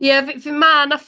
Ie, fi fi meddwl na' ff-...